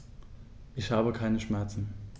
Ich habe keine Schmerzen.